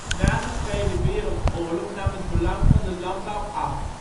Na de Tweede Wereldoorlog nam het belang van de landbouw af